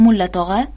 mulla tog'a